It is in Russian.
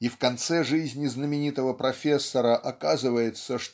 и в конце жизни знаменитого профессора оказывается